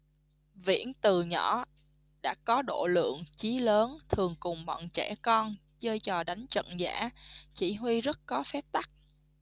viễn từ nhỏ đã có độ lượng chí lớn thường cùng bọn trẻ con chơi trò đánh trận giả chỉ huy rất có phép tắc